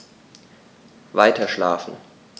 Weiterschlafen.